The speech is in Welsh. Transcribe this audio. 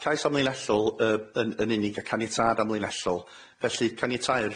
cais amlinellol yy yn yn unig a caniatâd amlinellol felly caniatau'r